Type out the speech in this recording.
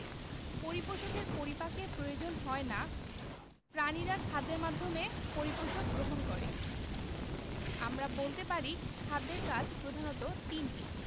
পরিপোষকের পরিপাকের প্রয়োজন হয় না প্রাণীরা খাদ্যের মাধ্যমে পরিপোষক গ্রহণ করে আমরা বলতে পারি খাদ্যের কাজ প্রধানত তিনটি